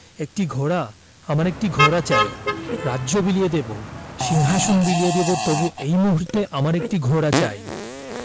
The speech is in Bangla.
একটি ঘোড়া আমার একটি ঘোড়া চাই রাজ্য বিলিয়ে দেবো সিংহাশন বিলিয়ে দেবো তবু এই মুহূর্তে আমার একটি ঘোড়া চাই